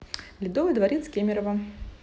ледовый дворец кемерово